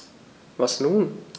Was nun?